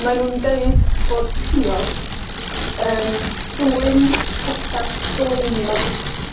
mae nw'n deud bod piod yn dwyn petha sgleiniog.